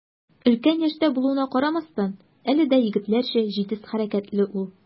Өлкән яшьтә булуына карамастан, әле дә егетләрчә җитез хәрәкәтле ул.